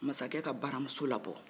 masaka ka baramuso labɔ